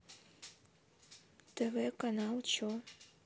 тв канал че